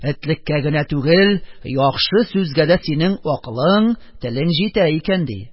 Этлеккә генә түгел, яхшы сүзгә дә синең акылың, телең җитә икән, - ди.